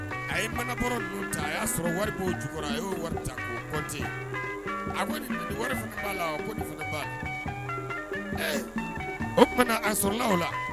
A ye manakɔrɔ ta a y'a sɔrɔ wari jukɔrɔ a y'o warite a wari la o a sɔrɔ la la